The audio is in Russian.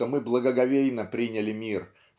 что мы благоговейно приняли мир